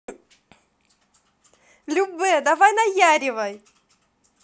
любэ давай наяривай